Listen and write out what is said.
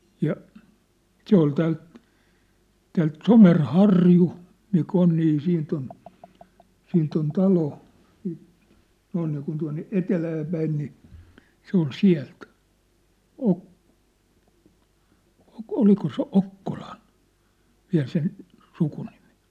ja se oli täältä täältä Somerharju mikä on niin siitä on siitä on talo siitä noin niin kuin tuonne etelään päin niin se oli sieltä - oliko se Okkolan vielä sen sukunimi